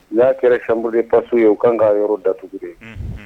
N y'a kɛra sanbri paso ye u kan ka a yɔrɔ datugu ye